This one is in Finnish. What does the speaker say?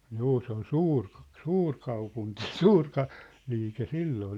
juu se oli - suurkaupunki suuri - liike silloin oli